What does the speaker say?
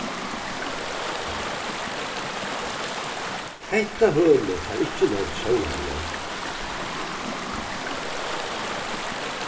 hetta hølið fær ikki nógv sólarljós